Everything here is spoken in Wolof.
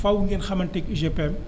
faaw ngeen xamanteeg UGPM